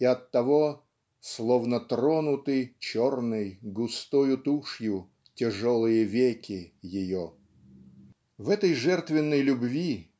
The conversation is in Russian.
и оттого "словно тронуты черной, густою тушью тяжелые веки" ее. В этой жертвенной любви